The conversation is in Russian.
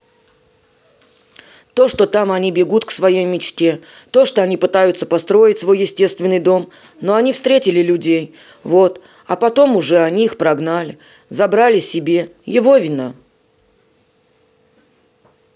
то что там они бегут к своей мечте то что они пытаются построить свой естественный дом но они встретили людей вот а потом уже они их прогнали забрали себе его вина